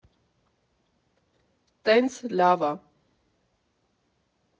Տենց լավ ա…